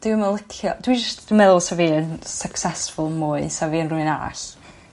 Dwi'm yn licio dwi jst dwi meddwl sa fi yn successful mwy sa fi yn rywun arall.